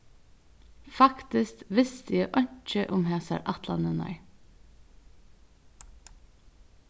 faktiskt visti eg einki um hasar ætlanirnar